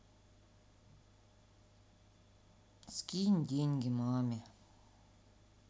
скинь деньги маме